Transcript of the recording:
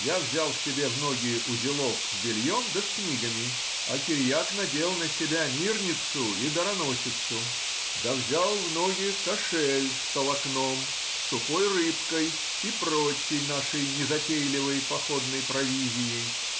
я взял себе в ноги узелок с бельем да с книгами, а Кириак надел на себя мирницу и дароносицу да взял в ноги кошель с толокном, сухой рыбкой и прочей нашей незатейливой походной провизией.